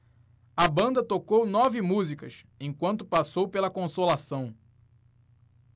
a banda tocou nove músicas enquanto passou pela consolação